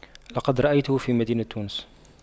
لقد رأيته في مدينة تونس